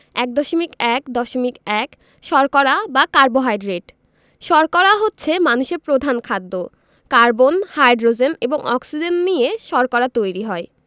১.১.১ শর্করা বা কার্বোহাইড্রেট শর্করা হচ্ছে মানুষের প্রধান খাদ্য কার্বন হাইড্রোজেন এবং অক্সিজেন নিয়ে শর্করা তৈরি হয়